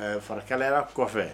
Farakɛlayara kɔfɛ